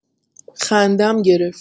خندم گرفت.